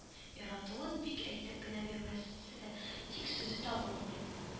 Яратуын бик әйтеп кенә бирмәсе дә, тик сүзе табылмый